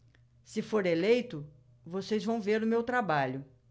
se for eleito vocês vão ver o meu trabalho